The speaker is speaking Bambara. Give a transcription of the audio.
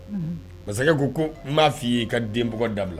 Masakɛ ko ko n b'a f' i ye ka denɔgɔ dabila